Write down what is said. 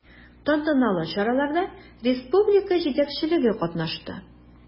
Тантаналы чараларда республика җитәкчелеге катнашты.